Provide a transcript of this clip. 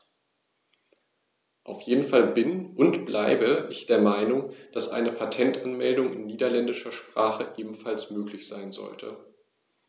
Auf jeden Fall bin - und bleibe - ich der Meinung, dass eine Patentanmeldung in niederländischer Sprache ebenfalls möglich sein sollte.